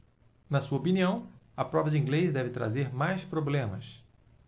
na sua opinião a prova de inglês deve trazer mais problemas